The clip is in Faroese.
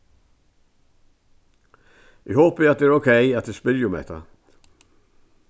eg hopi at tað er ókey at eg spyrji um hetta